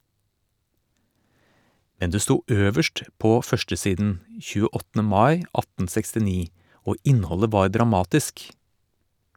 Men det sto øverst på førstesiden 28. mai 1869, og innholdet var dramatisk.